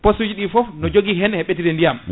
poste uji ɗi foof no jogui hen he heɓirta ndiyam